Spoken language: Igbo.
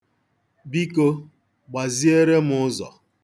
Biko, gbaziere m ụzọ.